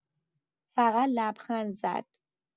فقط لبخند زد.